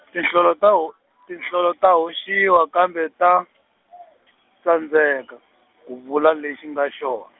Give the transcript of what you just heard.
tinhlolo ta ho- , tinhlolo ta hoxiwa kambe ta , tsandzeka, ku vula lexi nga xon-.